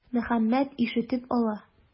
Мөхәммәт ишетеп ала.